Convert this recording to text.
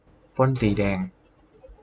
ปล้นสีแดง